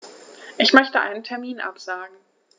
Ich möchte einen Termin absagen.